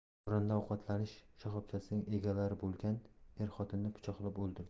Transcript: xo'randa ovqatlanish shoxobchasining egalari bo'lgan er xotinni pichoqlab o'ldirdi